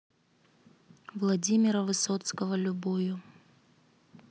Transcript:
владимира высоцкого любую